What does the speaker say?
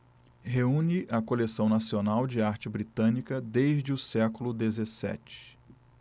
reúne a coleção nacional de arte britânica desde o século dezessete